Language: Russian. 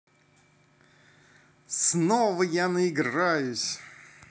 снова я наиграюсь